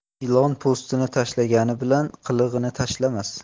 ilon po'stini tashlagani bilan qilig'ini tashlamas